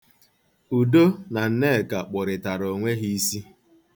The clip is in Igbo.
Udo na Nneka kpụrịtara onwe ha isi.